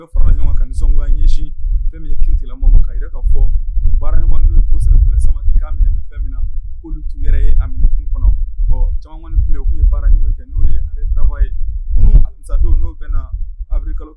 Donc an bɛ de fara la ɲɔgɔn ka nisɔngoya ɲɛsin fɛn kiriigilamaaw ma, k'a jira k'a fɔ k'olu baaraɲɔgɔn n'o ye minstre Blaise Samake, k'a minɛ bɛ fɛn min na k'olu t'u yɛrɛ ye a kun kɔnɔ, ɔ caaman tun bɛ yen, u ye baara yɔngiri kɛ n'o arret de travail, kunun alamisa don, n'o bɛ na Awril kalo ilo